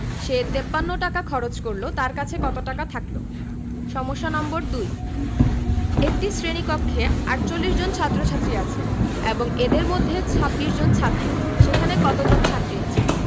সে ৫৩ টাকা খরচ করল তার কাছে কত টাকা থাকল সমস্যা নম্বর ২ একটি শ্রেণি কক্ষে ৪৮ জন ছাত্ৰ-ছাত্ৰী আছে এবং এদের মধ্যে ২৬ জন ছাত্র সেখানে কতজন ছাত্রী আছে